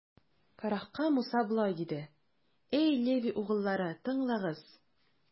Корахка Муса болай диде: Әй Леви угыллары, тыңлагыз!